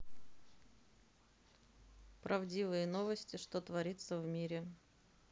правдивые новости что творится в мире